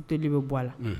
U teri de bɛ bɔ a la